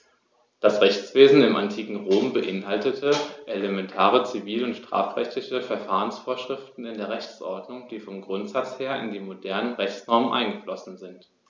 Das Rechtswesen im antiken Rom beinhaltete elementare zivil- und strafrechtliche Verfahrensvorschriften in der Rechtsordnung, die vom Grundsatz her in die modernen Rechtsnormen eingeflossen sind.